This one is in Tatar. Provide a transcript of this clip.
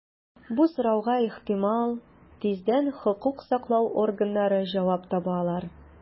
Бу сорауга, ихтимал, тиздән хокук саклау органнары җавап таба алыр.